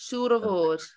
Siŵr o fod.